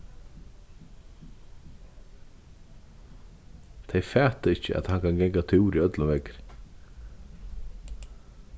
tey fata ikki at hann kann ganga túr í øllum veðri